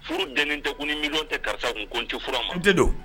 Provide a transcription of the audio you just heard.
Furu ntin tɛg mi tɛ karisa kun tɛ fura ma te don